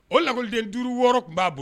O lakɔliden 5, 6 tun b'a bo